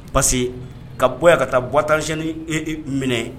Parce que ka bɔ yan ka taa bu tanc minɛ